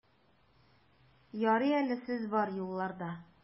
Ярый әле сез бар юлларда!